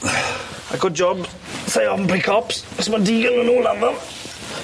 A good job sai ofn pry cops 'chos ma' digon o nw lan 'my!